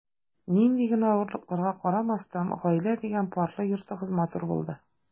Нинди генә авырлыкларга карамастан, “гаилә” дигән парлы йортыгыз матур булды.